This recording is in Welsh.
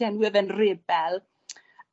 enwi fe'n rebel.